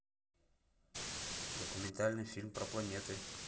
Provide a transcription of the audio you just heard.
документальный фильм про планеты